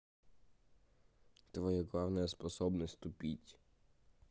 твоя главная способность тупить